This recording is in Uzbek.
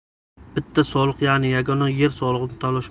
ular faqat bitta soliq ya'ni yagona yer solig'ini to'lashmoqda